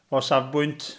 O safbwynt...